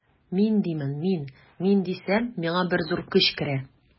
Мин димен мин, мин дисәм, миңа бер зур көч керә.